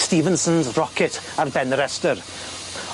Stephenson's rocket ar ben y restyr.